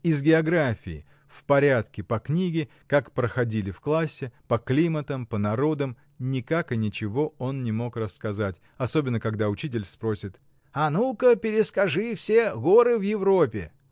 Из географии, в порядке, по книге, как проходили в классе, по климатам, по народам, никак и ничего он не мог рассказать, особенно когда учитель спросит: — А ну-ка, перескажи все горы в Европе!